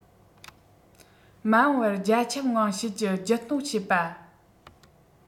མ འོངས པར རྒྱ ཁྱབ ངང བྱེད ཀྱི བརྒྱུད གཏོང བྱེད པ